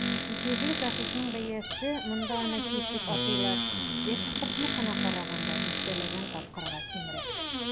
Җирле гашишның бәясе - монда аны "киф" дип атыйлар - экспортныкына караганда дистәләгән тапкырга кимрәк.